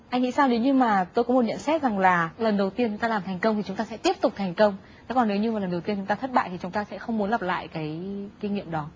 anh nghĩ sao nếu như mà tôi có một nhận xét rằng là lần đầu tiên chúng ta làm thành công thì chúng ta sẽ tiếp tục thành công còn nếu như mà lần đầu tiên chúng ta thất bại thì chúng ta sẽ không muốn lặp lại cái kinh nghiệm đó